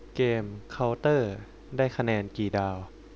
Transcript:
เกมเค้าเตอร์ได้คะแนนกี่ดาว